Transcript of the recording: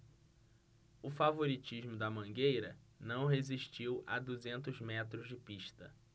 o favoritismo da mangueira não resistiu a duzentos metros de pista